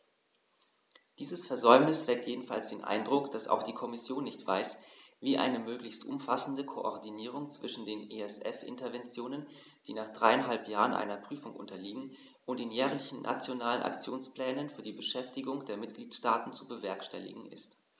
Dieses Versäumnis weckt jedenfalls den Eindruck, dass auch die Kommission nicht weiß, wie eine möglichst umfassende Koordinierung zwischen den ESF-Interventionen, die nach dreieinhalb Jahren einer Prüfung unterliegen, und den jährlichen Nationalen Aktionsplänen für die Beschäftigung der Mitgliedstaaten zu bewerkstelligen ist.